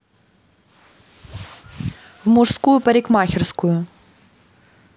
в мужскую парикмахерскую